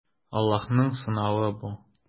Аллаһның сынавы бу.